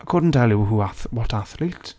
Couldn't tell you who ath-... what athlete.